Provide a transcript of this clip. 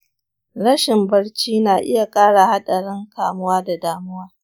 rashin barci na iya ƙara haɗarin kamuwa da damuwa.